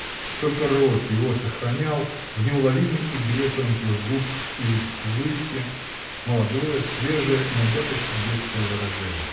Только рот его сохранял, в неуловимой игре тонких губ и в улыбке, молодое, свежее, иногда почти детское выражение.